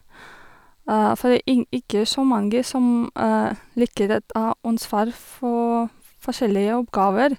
For ing ikke så mange som liker at ta ansvar for f forskjellige oppgaver.